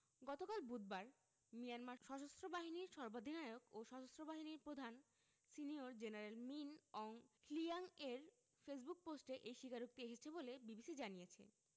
গতকাল বুধবার মিয়ানমার সশস্ত্র বাহিনীর সর্বাধিনায়ক ও সশস্ত্র বাহিনীর প্রধান সিনিয়র জেনারেল মিন অং হ্লিয়াংয়ের ফেসবুক পোস্টে এই স্বীকারোক্তি এসেছে বলে বিবিসি জানিয়েছে